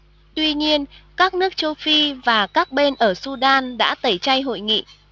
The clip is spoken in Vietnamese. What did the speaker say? tuy nhiên các nước châu phi và các bên ở sudan đã tẩy chay hội nghị